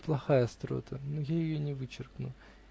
(Плохая острота; но я ее не вычеркну.